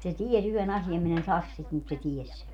se tiesi yhden asian minä en sano sitä mutta se tiesi sen